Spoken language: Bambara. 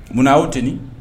Munna' teni